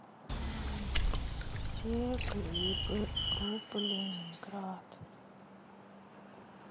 все клипы группы ленинград